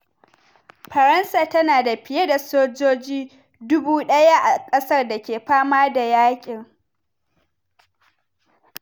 Faransa tana da fiye da sojoji 1,000 a kasar da ke fama da yakin.